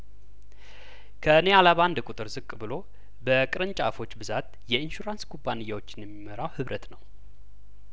ከኒያላ በአንድ ቁጥር ዝቅ ብሎ በቅርንጫፎች ብዛት የኢንሹራንስ ኩባንያዎችን የሚመራው ህብረት ነው